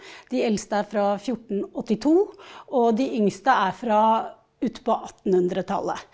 de eldste er fra 1482 og de yngste er fra ut på attenhundretallet.